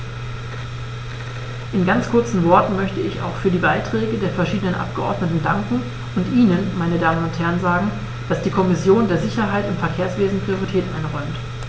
In ganz kurzen Worten möchte ich auch für die Beiträge der verschiedenen Abgeordneten danken und Ihnen, meine Damen und Herren, sagen, dass die Kommission der Sicherheit im Verkehrswesen Priorität einräumt.